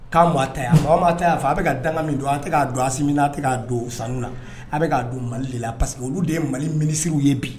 ' ta a ma ta'a fɔ a bɛ ka dan min don an tɛ k'a don amina a tɛ k'a don o sanu na a bɛ k'a don mali la parce que olu de ye mali minisiriw ye bi